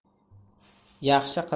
yaxshi qilar or